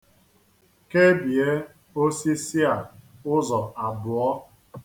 Kebie osisi a ụzọ abụọ.